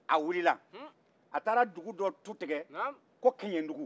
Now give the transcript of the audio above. a wulila a taara dugu dɔ tu tigɛ ko kiɲɛndugu